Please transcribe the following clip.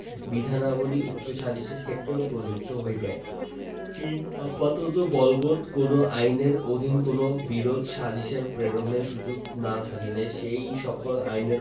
বিধানাবলী উক্ত সালিসের ক্ষেত্রেও প্রযোজ্য হইবে ৩ আপাতত বলবৎ অন্য কোন আইনের অধীন কোন বিরোধ সালিসে প্রেরণের সুযোগ না থাকিলে সেই সকল আইনের